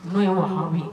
N'o ye waha ye